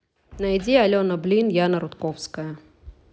найди алена блин яна рудковская